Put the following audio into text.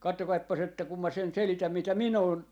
katsokaapas että kun minä sen selitän mitä minä olen